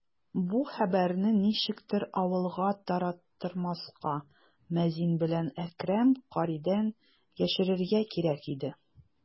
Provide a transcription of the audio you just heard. Бу хәбәрне ничектер авылга тараттырмаска, мәзин белән Әкрәм каридан яшерергә кирәк иде.